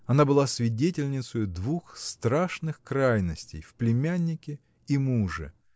Она была свидетельницею двух страшных крайностей – в племяннике и муже.